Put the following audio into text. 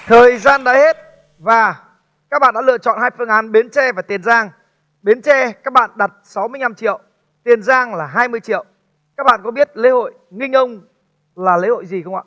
thời gian đã hết và các bạn đã lựa chọn hai phương án bến tre và tiền giang bến tre các bạn đặt sáu mươi nhăm triệu tiền giang là hai mươi triệu các bạn có biết lễ hội nghinh ông là lễ hội gì không ạ